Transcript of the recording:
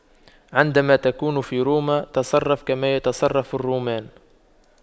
عندما تكون في روما تصرف كما يتصرف الرومان